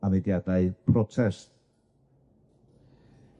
A mudiadau protest.